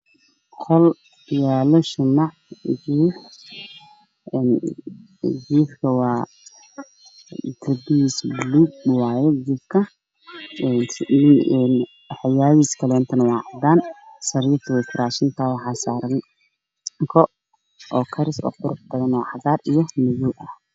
Waa qol waxaa yaalo shamac iyo jiif oo buluug ah waxyaabihiisa kale waa cadaan, sariirtu waa jiraashan tahay waxaa saaran go karis ah oo cadaan iyo madow ah.